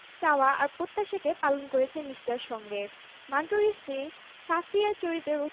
এরপর একে একে ছবির সবাইকে মঞ্চে তুলে আনেন